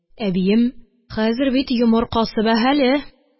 Әбием: – Хәзер бит йомыркасы бәһале